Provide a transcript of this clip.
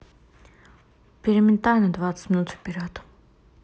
перемотай на двадцать минут вперед